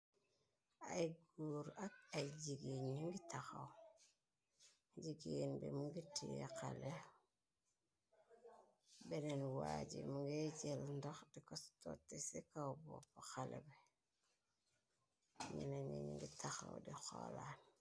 Aiiy gorre ak aiiy gigain njungy takhaw, gigain bii mungy tiyeh haleh, benen waaji mungeh jeul ndoh dikor sorti cii kaw bopu haleh bii, njenen njii njungy takhaw dii horlan.